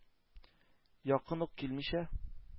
Якын ук килмичә,